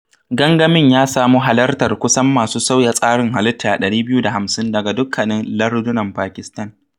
Gangamin ya sami halartar kusan masu sauya tsarin halitta 250 daga dukkanin lardunan Pakistan.